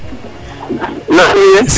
Na fi'o yee ?